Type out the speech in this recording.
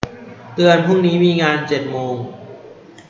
เตือนพรุ่งนี้มีงานเจ็ดโมง